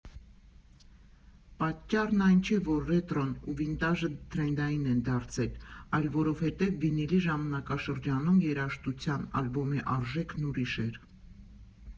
«Պատճառն այն չէ, որ ռետրոն ու վինտաժը թրենդային են դարձել, այլ որովհետև վինիլի ժամանակաշրջանում երաժշտության, ալբոմի արժեքն ուրիշ էր։